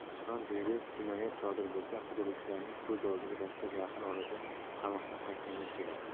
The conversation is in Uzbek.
biron joyda jinoyat sodir bo'lsa qidiruvchilarning ko'z oldiga dastlab yaqin orada qamoqdan qaytganlar keladi